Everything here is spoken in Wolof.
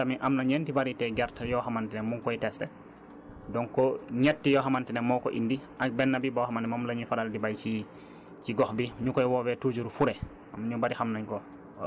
donc loolu mooy wane ne moom tamit am na ñenti variétés gerte yoo xamante ne mu ngi koy tester donc ñett yoo xamante ne moo ko indi ak benn bi boo xam ne moom la ñuy faral di bay fii ci gox bi ñu koy woowee toujours fure